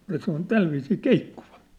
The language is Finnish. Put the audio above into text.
ja se on tällä viisiin keikkuva